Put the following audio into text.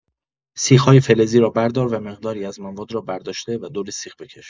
سیخ‌های فلزی را بردار و مقداری از مواد را برداشته و دور سیخ بکش.